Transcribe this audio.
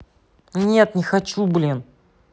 нет не хочу блин